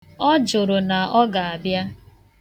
Ọ jụrụ na ọ ga-abịa.